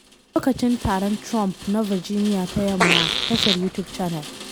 Lokacin Taron Trump na Virginia ta Yamma, Tashar YouTube Channel